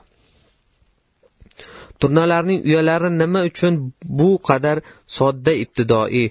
turnalarning uyalari nima uchun bu qadar sodda ibtidoiy